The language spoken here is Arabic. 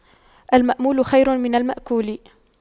المأمول خير من المأكول